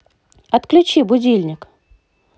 отключи будильник